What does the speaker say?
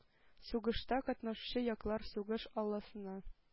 Сугышта катнашучы яклар сугыш алласына